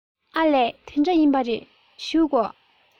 ཨ ལས དེ འདྲ ཡིན པ རེད བཞུགས དགོ